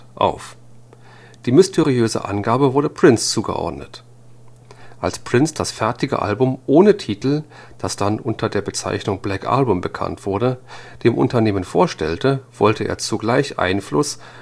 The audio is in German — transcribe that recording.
die mysteriöse Angabe wurde Prince zugeordnet. Als Prince das fertige Album ohne Titel, das dann unter der Bezeichnung Black Album bekannt wurde, dem Unternehmen vorstellte, wollte er zugleich Einfluss